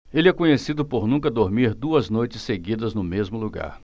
ele é conhecido por nunca dormir duas noites seguidas no mesmo lugar